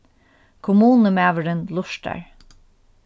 kommunumaðurin lurtar